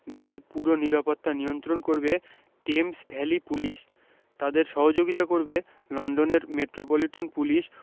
বিয়ের পুরো নিরাপত্তা নিয়ন্ত্রণ করবে টেমস ভ্যালি পুলিশ তাঁদের সহযোগিতা করবে লন্ডনের মেট্রোপলিটন পুলিশ